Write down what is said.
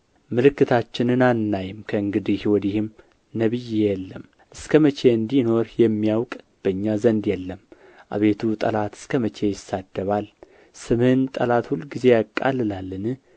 ምልክታችንን አናይም ከእንግዲህ ወዲህም ነቢይ የለም እስከ መቼ እንዲኖር የሚያውቅ በኛ ዘንድ የለም አቤቱ ጠላት እስከ መቼ ይሳደባል ስምህን ጠላት ሁልጊዜ ያቃልላልን